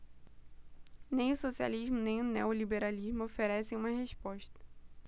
nem o socialismo nem o neoliberalismo oferecem uma resposta